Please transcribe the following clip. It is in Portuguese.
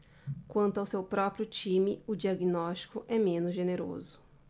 quanto ao seu próprio time o diagnóstico é menos generoso